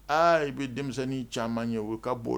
Aa i bɛ denmisɛnnin caman ye o ka bɔ